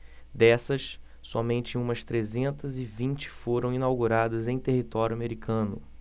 dessas somente umas trezentas e vinte foram inauguradas em território americano